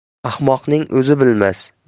ahmoqning o'zi bilmas